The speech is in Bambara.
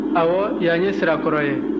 ɔwɔ yan ye sirakɔrɔ ye